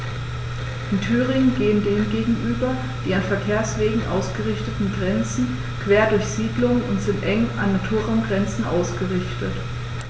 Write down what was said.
In Thüringen gehen dem gegenüber die an Verkehrswegen ausgerichteten Grenzen quer durch Siedlungen und sind eng an Naturraumgrenzen ausgerichtet.